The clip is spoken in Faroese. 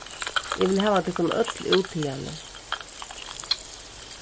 eg vil hava tykkum øll út hiðani